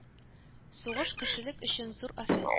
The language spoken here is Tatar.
Сугыш кешелек өчен зур афәт